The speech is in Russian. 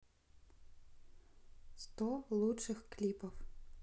сто лучших клипов